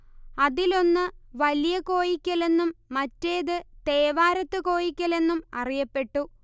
അതിലൊന്ന് വലിയ കോയിക്കലെന്നും മറ്റേതു തേവാരത്തു കോയിക്കലെന്നും അറിയപ്പെട്ടു